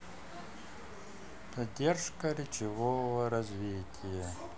задержка речевого развития